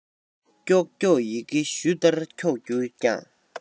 ཀྱོག ཀྱོག ཡི གེ གཞུ ལྟར འཁྱོག གྱུར ཀྱང